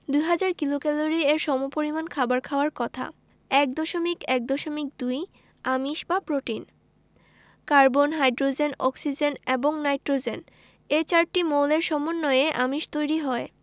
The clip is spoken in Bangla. ২০০০ কিলোক্যালরি এর সমপরিমান খাবার খাওয়ার কথা ১.১.২ আমিষ বা প্রোটিন কার্বন হাইড্রোজেন অক্সিজেন এবং নাইট্রোজেন এ চারটি মৌলের সমন্বয়ে আমিষ তৈরি হয়